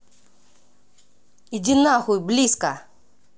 иди нахуй близко